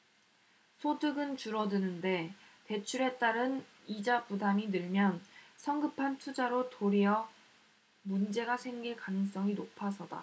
소득은 줄어드는데 대출에 따른 이자 부담이 늘면 성급한 투자로 도리어 문제가 생길 가능성이 높아서다